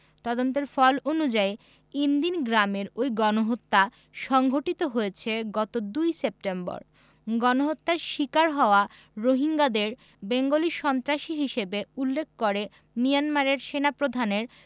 তদন্তের ফল অনুযায়ী ইনদিন গ্রামের ওই গণহত্যা সংঘটিত হয়েছে গত ২ সেপ্টেম্বর গণহত্যার শিকার হওয়া রোহিঙ্গাদের বেঙ্গলি সন্ত্রাসী হিসেবে উল্লেখ করে মিয়ানমারের সেনাপ্রধানের